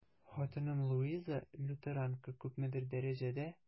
Хатыным Луиза, лютеранка, күпмедер дәрәҗәдә...